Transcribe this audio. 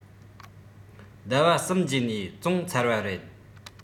ཟླ བ གསུམ རྗེས ནས བཙོང ཚར བ རེད